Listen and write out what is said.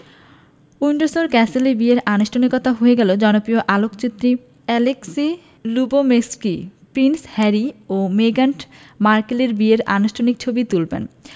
Windsor ক্যাসেলে বিয়ের আনুষ্ঠানিকতা হয়ে গেলে জনপ্রিয় আলোকচিত্রী অ্যালেক্সি লুবোমির্সকি প্রিন্স হ্যারি ও মেগান মার্কেলের বিয়ের আনুষ্ঠানিক ছবি তুলবেন